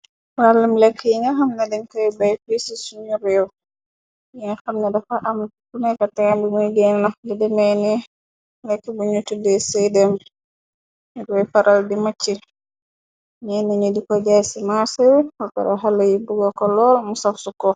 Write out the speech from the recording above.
Allum lekk yi nga xam na dem koy bay fist suñu réew ying xam na dafa amc 1 tmbi muy gen nax li demee ne lekk buñu tuddee cay dem ruy paral di macci ñeenañu di ko jaay ci maarsari ultara xale yi bugga ko lool mu safsu ko.